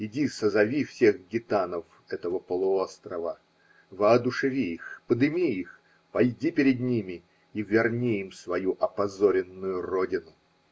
Иди, созови всех гитанов этого полуострова, воодушеви их, подыми их, пойди пред ними и верни им свою опозоренную родину!